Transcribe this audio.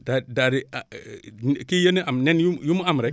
daal daal di kii ya ñu am nen yu yu mu am rekk